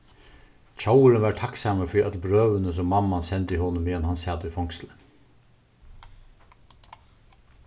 tjóvurin var takksamur fyri øll brøvini sum mamman sendi honum meðan hann sat í fongsli